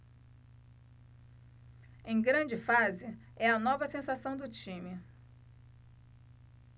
em grande fase é a nova sensação do time